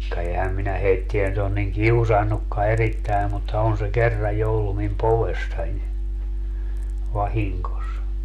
ka enhän minä heitä nyt ole niin kiusannutkaan erittäin mutta on se kerran jo ollut minun povessani vahingossa